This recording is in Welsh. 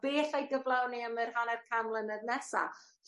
be' allai gyflawni am yr haner can mlynedd nesa?